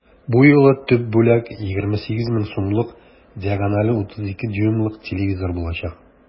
Бу юлы төп бүләк 28 мең сумлык диагонале 32 дюймлык телевизор булачак.